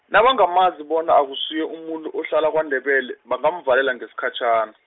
nabangamazi bona akusiyo umuntu ohlala kwaNdebele, bangamvalela ngeskhatjhan- .